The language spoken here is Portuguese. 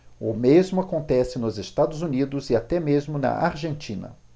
o mesmo acontece nos estados unidos e até mesmo na argentina